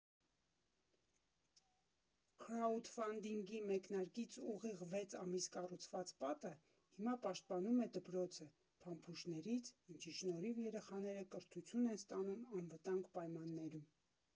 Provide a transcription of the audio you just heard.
Քրաութֆանդինգի մեկնարկից ուղիղ վեց ամիս կառուցված պատը հիմա պաշտպանում է դպրոցը փամփուշտներից, ինչի շնորհիվ երեխաները կրթություն են ստանում անվտանգ պայմաններում։